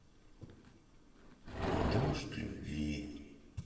дождь любви